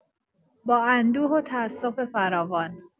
با اندوه و تاسف فراوان